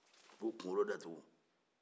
u bɛ u kunkolo datuku